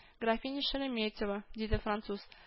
— графиня шереметева, — диде француз